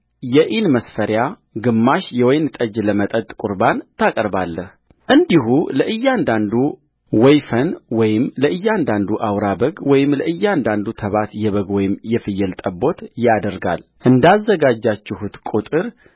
የኢን መስፈሪያ ግማሽ የወይን ጠጅ ለመጠጥ ቍርባን ታቀርባለእንዲሁ ለእያንዳንዱ ወይፈን ወይም ለእያንዳንዱ አውራ በግ ወይም ለእያንዳንዱ ተባት የበግ ወይም የፍየል ጠቦት ይደረጋልእንዳዘጋጃችሁት ቍጥር